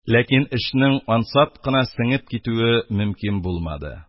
Ләкин эшнең ансат кына сеңеп китүе мөмкин булмады.